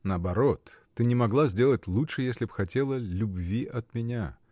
— Наоборот: ты не могла сделать лучше, если б хотела любви от меня.